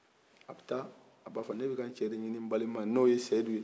ne bi ka n cɛ de ɲini n balima n'o ye seyidu ye